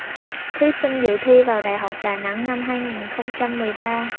thí sinh dự thi vào đại học đà nẵng năm hai nghìn không trăm mười ba